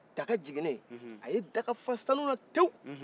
daga jiguinen a ye daga fa sanu tew